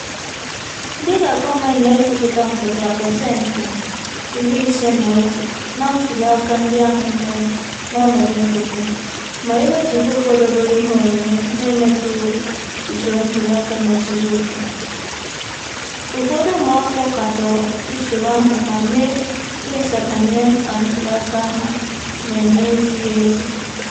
Dịka gọọmentị na-ekwupụta mpụtara pasenti 51 na ntuliaka ndị ahụ mere n'ọnọdụ nkịtị, ma e wezụga ụfọdụ obere ihe omume n'emetụtaghị usoro ntuliaka n'ozuzu oke" (isi: MAP), ụfọdụ ụmụafọ katọrọ usoro ahụ ma mee mkpesa banyere mkpa ntuliaka ha mere n'ezighi ezi.